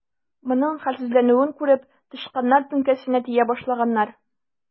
Моның хәлсезләнүен күреп, тычканнар теңкәсенә тия башлаганнар.